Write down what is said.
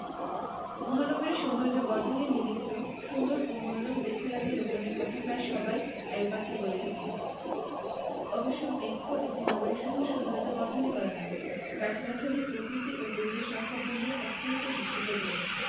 মহানগরীর সৌন্দর্যবর্ধনের নিমিত্ত সুন্দর ও মনোরম বৃক্ষরাজি রোপণের কথা প্রায় সবাই একবাক্যে বলে থাকেন অবশ্য বৃক্ষ একটি নগরীর শুধু সৌন্দর্যবর্ধনই করে না গাছগাছালি প্রকৃতি ও পরিবেশ রক্ষার জন্যও অত্যন্ত উপযোগী